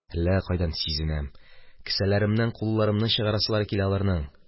Әллә кайдан сизенәм: кесәләремнән кулларымны чыгарасылары килә аларның.